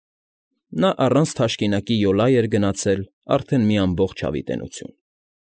Նա առանց թաշկինակի յոլա էր գնացել արդեն մի ամբողջ հավիտենականություն։